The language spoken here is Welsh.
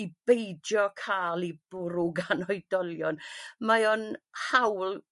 i beidio ca'l 'u bwrw gan oedolion. Mae o'n hawl